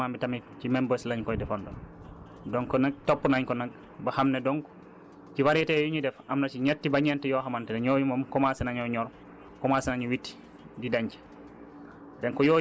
ci wàllu traitement bi tamit ci même bës lañ koy defandoo donc nag topp nañ ko nag ba xam ne donc ci variété yooyu ñuy def am na ci ñett ba ñent yoo xamante ne ñooñu moom commencé nañoo ñor commencé nañu witt di denc